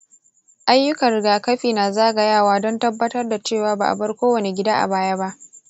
ayyukan rigakafi na zagayawa don tabbatar da cewa ba a bar kowane gida a baya ba.